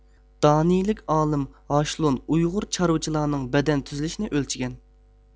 دانىيىلىك ئالىم ھاشلون ئۇيغۇر چارۋىچىلارنىڭ بەدەن تۈزۈلۈشىنى ئۆلچىگەن